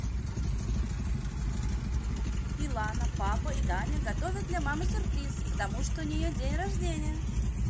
милана папа и даня готовят для мамы сюрприз потому что у нее день рождения